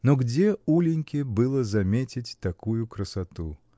Но где Улиньке было заметить такую красоту?